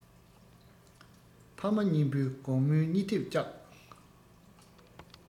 ཕ མ གཉིས པོའི དགོང མོའི གཉིད ཐེབས བཅག